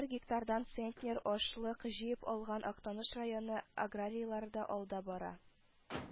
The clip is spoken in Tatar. Һәр гектардан центнер ашлык җыеп алган Актаныш районы аграрийлары алда бара